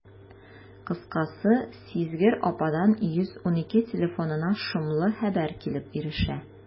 Кыскасы, сизгер ападан «112» телефонына шомлы хәбәр килеп ирешә.